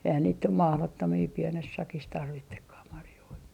eihän niitä nyt mahdottomia pienessä sakissa tarvitsekaan marjoja